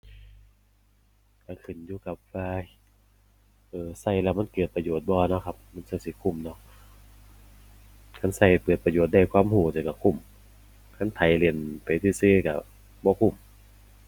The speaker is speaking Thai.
ก็ขึ้นอยู่กับว่า เออ ก็แล้วมันเกิดประโยชน์บ่เนาะครับ มันจั่งสิคุ้มเนาะ คันก็ให้เกิดประโยชน์ได้ ความก็นั้นก็คุ้ม คันไผเล่นไปซื่อซื่อก็บ่คุ้ม